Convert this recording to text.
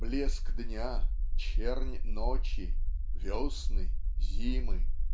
"блеск дня, чернь ночи, весны, зимы"?.